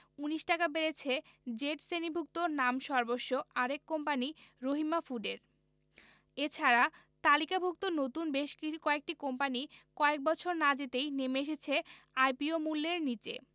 ১৯ টাকা বেড়েছে জেড শ্রেণিভুক্ত নামসর্বস্ব আরেক কোম্পানি রহিমা ফুডের এ ছাড়া তালিকাভুক্ত নতুন বেশ কয়েকটি কোম্পানি কয়েক বছর না যেতেই নেমে এসেছে আইপিও মূল্যের নিচে